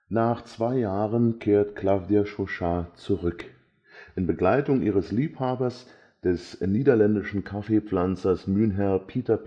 Nach zwei Jahren kehrt Clawdia Chauchat zurück, in Begleitung ihres Liebhabers, des niederländischen Kaffee-Pflanzers Mynheer Pieter